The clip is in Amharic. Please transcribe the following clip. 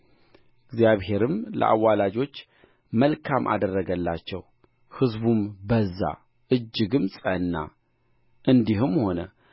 እግዚአብሔርም ለአዋላጆች መልካም አደረገላቸው ሕዝቡም በዛ እጅግም ጸና እንዲህም ሆነ